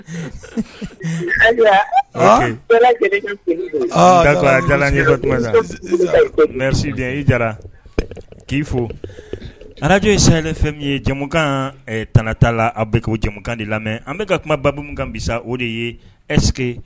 I k'i fo araj ye salen fɛn min ye jamukan tta la a bɛ jamukan de lamɛn an bɛka ka kuma baumu kan bi o de ye ɛs